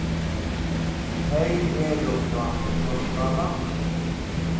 tey eru frá norðskála